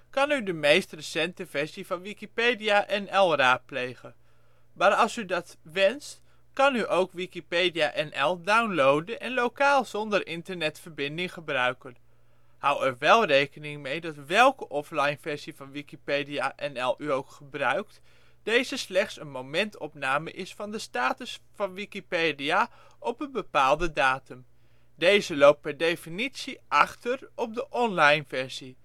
kan u de meest recente versie van Wikipedia NL raadplegen. Maar als u dat wenst kan u ook Wikipedia NL downloaden en lokaal zonder internetverbinding gebruiken. Hou er wel rekening mee dat welke offline versie van Wikipedia NL u ook gebruikt deze slechts een momentopname is van de status van Wikipedia op een bepaalde datum. Deze loopt per definitie achter op de online versie